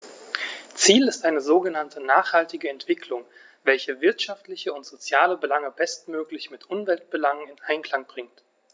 Ziel ist eine sogenannte nachhaltige Entwicklung, welche wirtschaftliche und soziale Belange bestmöglich mit Umweltbelangen in Einklang bringt.